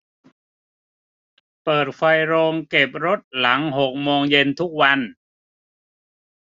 เปิดไฟโรงเก็บรถหลังหกโมงเย็นทุกวัน